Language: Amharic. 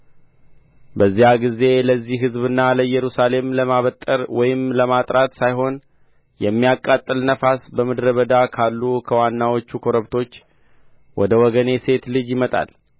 በዚያ ጊዜ ለዚህ ሕዝብና ለኢየሩሳሌም ለማበጠር ወይም ለማጥራት ሳይሆን የሚያቃጥል ነፋስ በምድረ በዳ ካሉ ከወናዎች ኮረብቶች ወደ ወገኔ ሴት ልጅ ይመጣል